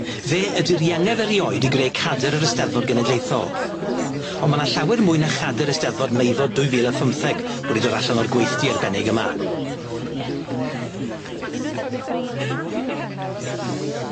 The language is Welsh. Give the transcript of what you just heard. Fe ydi'r iengef erioed i greu cader yr Eisteddfod Genedlaethol on' ma' 'na llawer mwy na chader Eisteddfod Meifod dwy fil a phymtheg wedi dod allan o'r gweithdy arbennig yma.